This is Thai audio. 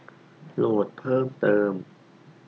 โหลดเพิ่มเติม